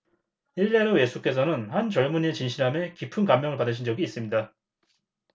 일례로 예수께서는 한 젊은이의 진실함에 깊은 감명을 받으신 적이 있습니다